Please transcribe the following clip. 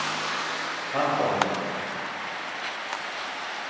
samgonga